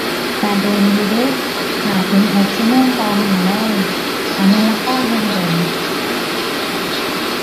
ที่จริงข้อยก็บ่อยากมีหนี้มีสินแหล้ว หั้งแต่ว่าหนี้สินสิเป็นก็กระตุ้นให้ก็หาเงิน ข้อยเลยต้องเลือกมีหนี้มีสิน